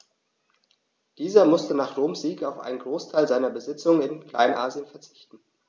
Dieser musste nach Roms Sieg auf einen Großteil seiner Besitzungen in Kleinasien verzichten.